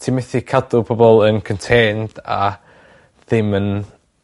Ti methu cadw pobol yn contained a ddim yn